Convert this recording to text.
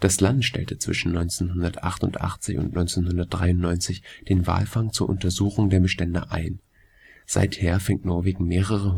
Das Land stellte zwischen 1988 und 1993 den Walfang zur Untersuchung der Bestände ein. Seither fängt Norwegen mehrere